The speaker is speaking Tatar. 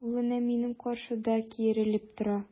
Ул әнә минем каршыда киерелеп тора!